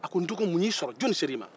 a ko n dɔgɔ mun ɲ'i sɔrɔ jɔnni ser'i ma